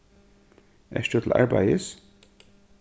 ert tú til arbeiðis